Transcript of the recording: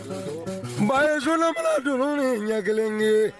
Bagayogo Solo mana dunun nin ɲɛkelen ye